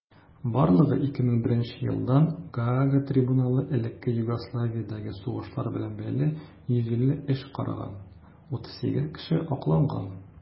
Барлыгы 2001 елдан Гаага трибуналы элеккеге Югославиядәге сугышлар белән бәйле 150 эш караган; 38 кеше акланган.